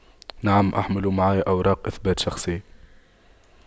نعم احمل معي أوراق اثبات شخصية